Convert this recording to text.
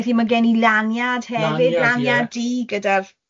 felly ma' gen i lanyard hefyd... Lanyard... lanyard du gyda'r